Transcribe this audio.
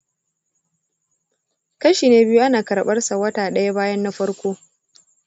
kashi na biyu ana karɓarsa wata ɗaya bayan na farko.